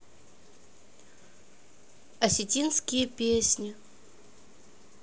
осетинские песни